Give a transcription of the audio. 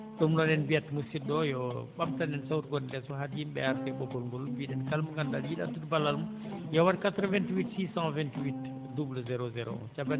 ɗum noon en mbiyat musidɗo o yo ɓamtan en sawto gonɗo lees o haade yimɓe ɓe arde e ɓoggol ngol mbiɗen kala mo ngannduɗaa ne yiɗi addude ballal mum yo waɗ 88 628 00 01